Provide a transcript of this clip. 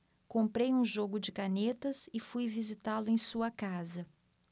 comprei um jogo de canetas e fui visitá-lo em sua casa